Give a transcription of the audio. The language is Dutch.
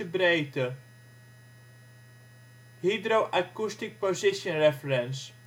breedte. Hydroacoustic Position Reference